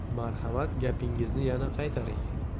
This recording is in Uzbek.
marhamat gapingizni yana qaytaring